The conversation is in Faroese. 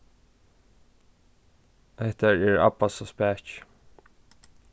hetta er abbasa spaki